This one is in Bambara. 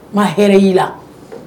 N ma hɛrɛ y' i la.